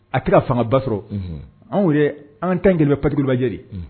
A kɛra fanga ba sɔrɔ an yɛrɛ an tan gɛlɛya pabajɛri